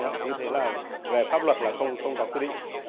ạ như thế là về pháp luật là không không có quy định